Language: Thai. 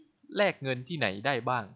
แลกเงินที่ไหนได้บ้าง